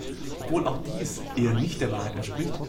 dies eher nicht der Wahrheit entspricht